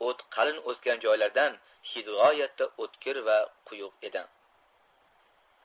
o't qalin o'sgan joylardan hid g'oyatda o'tkir va quyuq edi